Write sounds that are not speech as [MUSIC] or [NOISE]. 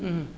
[HESITATION] [HESITATION]